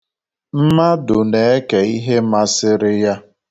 Mmadụ na-eke ihe masịrị ya